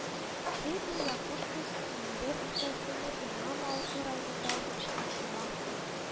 Средняя Якушка Сембер өлкәсенең Яңа Малыклы районында урнашкан сала